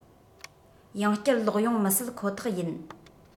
ཡང བསྐྱར ལོག ཡོང མི སྲིད ཁོ ཐག ཡིན